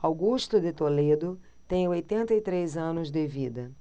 augusto de toledo tem oitenta e três anos de vida